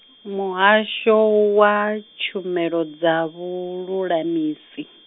Muhasho wa, Tshumelo dza Vhululamisi.